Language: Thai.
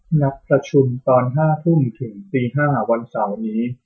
นัดประชุมตอนห้าทุ่มถึงตีห้าวันเสาร์นี้